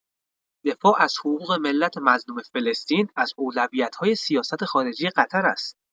دفاع از حقوق ملت مظلوم فلسطین از اولویت‌های سیاست‌خارجی قطر است.